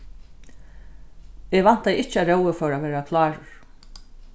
eg væntaði ikki at rói fór at verða klárur